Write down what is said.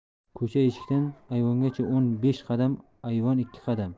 ko'cha eshikdan ayvongacha o'n besh qadam ayvon ikki qadam